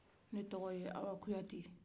ne tɔgɔ ye awa kuyate